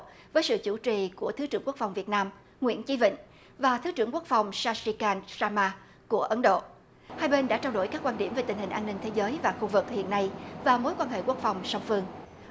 với sự chủ trì của thứ trưởng quốc phòng việt nam nguyễn chí vịnh và thứ trưởng quốc phòng sa si can sa ma của ấn độ hai bên đã trao đổi các quan điểm về tình hình an ninh thế giới và khu vực hiện nay và mối quan hệ quốc phòng song phương